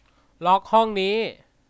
ล็อคห้องนี้หน่อย